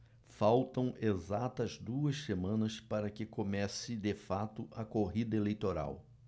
faltam exatas duas semanas para que comece de fato a corrida eleitoral